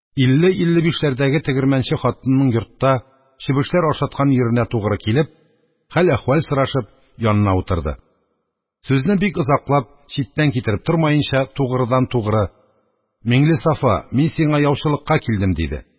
Илле-илле бишләрдәге тегермәнче хатынының йортта чебешләр ашаткан йиренә тугры килеп, хәл-әхваль сорашып, янына утырды, сүзне бик озаклап, читтән китереп тормаенча, тугрыдан-тугры: – Миңлесафа, мин сиңа яучылыкка килдем, – диде.